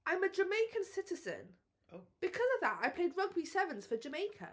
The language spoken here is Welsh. I'm a Jamaican citizen... O ..."because of that I played Rugby 7s for Jamaica.